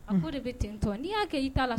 A ko de bɛ ten tɔn n'i y' kɛ i t' la